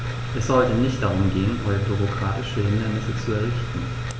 Es sollte nicht darum gehen, neue bürokratische Hindernisse zu errichten.